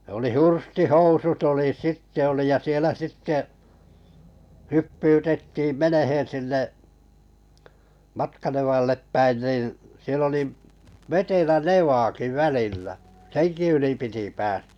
oli hurstihousut oli sitten oli ja siellä sitten hyppyytettiin menemään sinne Matkanevalle päin niin siellä oli vetelä nevakin välillä senkin yli piti päästä